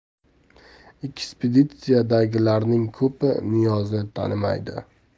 ekspeditsiyadagilarning ko'pi niyozni tanimaydi